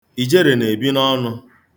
Ijere na-ebi n'ọnụ.